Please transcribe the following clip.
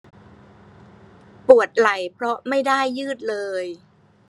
ปวดไหล่เพราะไม่ได้ยืดเลย